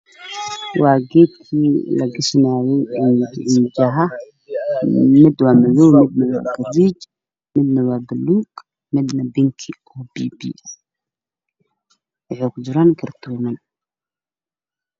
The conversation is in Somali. Waa geedkii lagashanaayey timah mid waa madow, midna waa gariije, bingi, buluug, waxay kujiraan kartooman.